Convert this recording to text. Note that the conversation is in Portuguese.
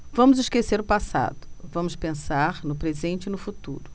vamos esquecer o passado vamos pensar no presente e no futuro